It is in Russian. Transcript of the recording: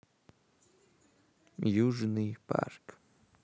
южный парк